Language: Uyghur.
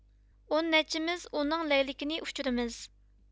ئون نەچچىمىز ئۇنىڭ لەگلىكىنى ئۇچۇرىمىز